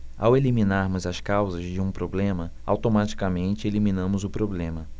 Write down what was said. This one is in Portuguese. ao eliminarmos as causas de um problema automaticamente eliminamos o problema